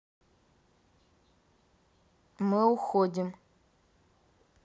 мы уходим